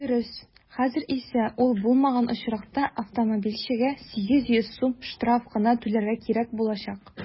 Дөрес, хәзер исә ул булмаган очракта автомобильчегә 800 сум штраф кына түләргә кирәк булачак.